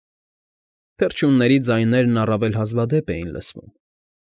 Թռչունների ձայներն առավել հազվադեպ էին լսվում։